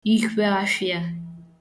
ikwheafhịa